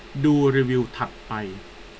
ดูรีวิวถัดไป